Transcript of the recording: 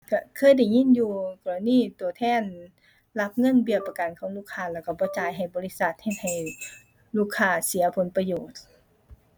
ก็เคยได้ยินอยู่ กรณีก็แทนลักเงินเบี้ยประกันของลูกค้า แล้วก็บ่จ่ายให้บริษัทเฮ็ดให้ลูกค้าเสียผลประโยชน์